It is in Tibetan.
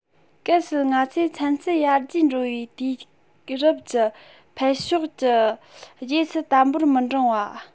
གལ སྲིད ང ཚོས ཚན རྩལ ཡར རྒྱས འགྲོ བའི དུས རབས ཀྱི འཕེལ ཕྱོགས ཀྱི རྗེས སུ དམ པོར མི འབྲང པ